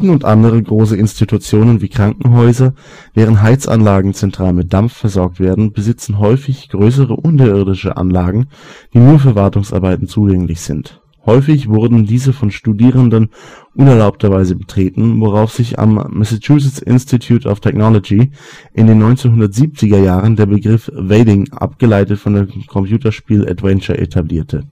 und andere größere Institutionen wie Krankenhäuser, deren Heizanlagen zentral mit Dampf versorgt werden besitzen häufig größere unterirdische Anlagen die nur für Wartungsarbeiten zugänglich sind. Häufig wurden diese von Studierenden unerlaubterweise betreten worauf sich am Massachusetts Institute of Technology in den 1970er Jahren der Begriff vadding, abgeleitet von dem Computerspiel Adventure, etablierte